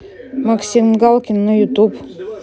максим галкин на ютуб